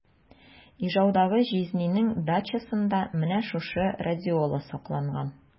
Ижаудагы җизнинең дачасында менә шушы радиола сакланган.